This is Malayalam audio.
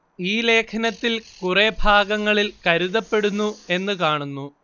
ഈ ലേഖനത്തിൽ കുറെ ഭാഗങ്ങളിൽ കരുതപ്പെടുന്നു എന്ന് കാണുന്നു